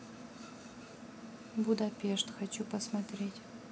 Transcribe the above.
будапешт хочу посмотреть